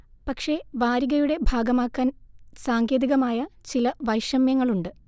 പക്ഷെ വാരികയുടെ ഭാഗമാക്കാൻ സാങ്കേതികമായ ചില വൈഷമ്യങ്ങളുണ്ട്